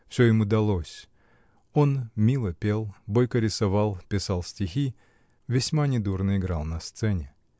Все ему далось: он мило пел, бойко рисовал, писал стихи, весьма недурно играл на сцене.